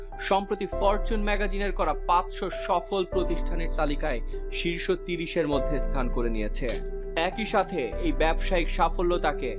সম্প্রতি ফরচুন ম্যাগাজিনের করা ৫০০ সফল প্রতিষ্ঠান তালিকায়' শীর্ষ ৩০ এর মধ্যে স্থান করে নিয়েছে একই সাথে এই ব্যবসায়িক সাফল্য তাকে